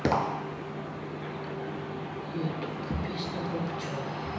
ютуб песня про пчел